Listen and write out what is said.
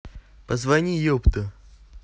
позвони епта